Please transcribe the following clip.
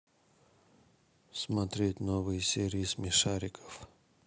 смотреть новые серии смешариков